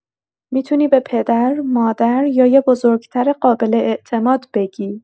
می‌تونی به پدر، مادر یا یه بزرگ‌تر قابل‌اعتماد بگی.